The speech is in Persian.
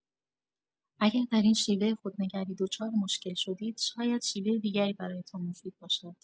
اگر در این شیوه خودنگری دچار مشکل شدید، شاید شیوه دیگری برایتان مفید باشد.